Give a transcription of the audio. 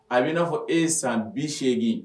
A bi na fɔ e ye san 80.